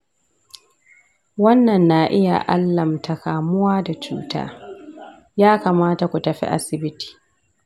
wannan na iya alamta kamuwa da cuta, ya kamata ku tafi asibiti